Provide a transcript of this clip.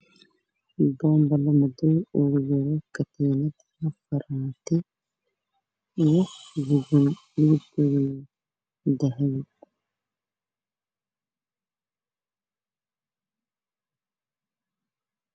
Meeshaan waxaa ka muuqdo ka tiinat iyo dhegaheeda oo midabkoodii ay dahabi waxaana saaran yihiin meel madow